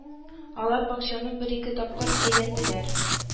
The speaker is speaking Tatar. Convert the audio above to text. Алар бакчаны бер-ике тапкыр әйләнделәр